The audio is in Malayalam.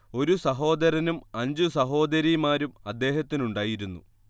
ഒരു സഹോദരനും അഞ്ചു സഹോദരിമാരും അദ്ദേഹത്തിനുണ്ടായിരുന്നു